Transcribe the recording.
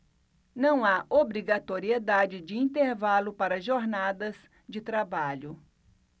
não há obrigatoriedade de intervalo para jornadas de trabalho